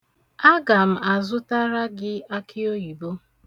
Aga m azụtara gị akịoyibo.